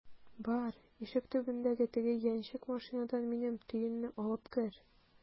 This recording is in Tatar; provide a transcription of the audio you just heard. Бар, ишек төбендәге теге яньчек машинадан минем төенне алып кер!